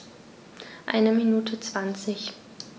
Eine Minute 20